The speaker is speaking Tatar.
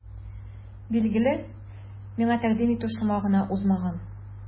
Билгеле, мине тәкъдим итү шома гына узмаган.